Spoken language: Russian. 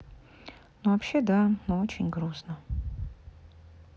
ну вообще да очень грустно